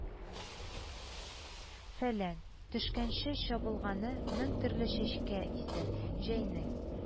Фәлән төшкәнче чабылганы, мең төрле чәчкә исе, җәйнең